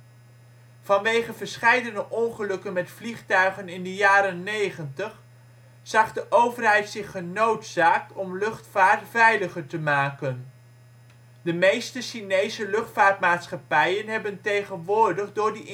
Vanwege verscheidene ongelukken met vliegtuigen in de jaren 90 zag de overheid zich genoodzaakt om luchtvaart veiliger te maken. De meeste Chinese luchtvaartmaatschappijen hebben tegenwoordig door die